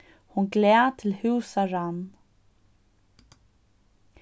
hon glað til húsa rann